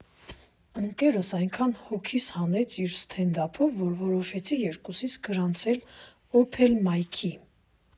Ընկերս այնքան հոգիս հանեց իր սթենդափով, որ որոշեցի երկուսիս գրանցել օփեն մայքի։